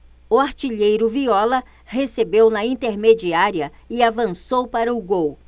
o artilheiro viola recebeu na intermediária e avançou para o gol